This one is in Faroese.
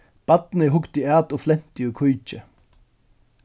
barnið hugdi at og flenti í kíki